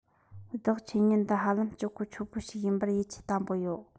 བདག ཆོས ཉིད འདི ཧ ལམ སྤྱོད གོ ཆོད པོ ཞིག ཡིན པར ཡིད ཆེས བརྟན པོ ཡོད